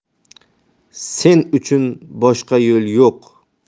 sen uchun boshqa yo'l yo'q